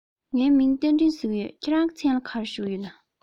ངའི མིང ལ རྟ མགྲིན ཟེར གྱི ཡོད ཁྱེད རང གི མཚན ལ གང ཞུ གི ཡོད ན